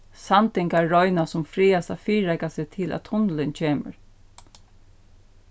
sandoyingar royna sum frægast at fyrireika seg til at tunnilin kemur